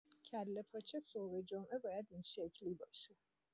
کله‌پاچه صبح جمعه باید این شکلی باشه.